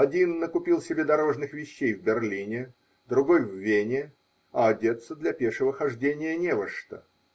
Один накупил себе дорожных вещей в Берлине, другой в Вене, а одеться для пешего хождения не во что.